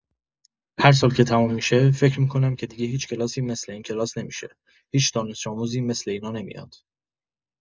هر سال که تموم می‌شه، فکر می‌کنم که دیگه هیچ کلاسی مثل این کلاس نمی‌شه، هیچ دانش‌آموزی مثل اینا نمیاد!